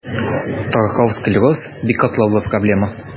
Таркау склероз – бик катлаулы проблема.